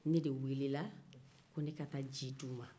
ne de welela ko ne ka taa ji di u ma